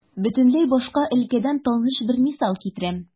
Бөтенләй башка өлкәдән таныш бер мисал китерәм.